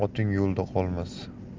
oting yo'lda qolmas